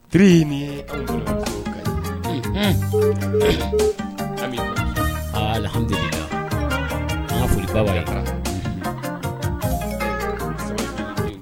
Siri foli baba